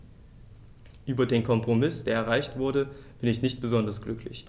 Über den Kompromiss, der erreicht wurde, bin ich nicht besonders glücklich.